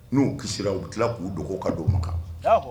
N'u ki u tila k'u dogo ka' ma kan